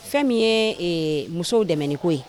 Fɛn min ye ee musow dɛmɛ ni ko ye.